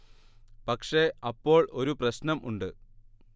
പക്ഷെ അപ്പോൾ ഒരു പ്രശ്നം ഉണ്ട്